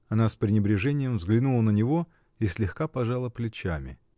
Она с пренебрежением взглянула на него и слегка пожала плечами.